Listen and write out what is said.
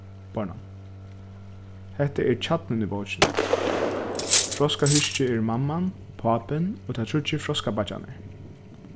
bornan hetta er kjarnin í bókini froskahúskið eru mamman pápin og teir tríggir froskabeiggjarnir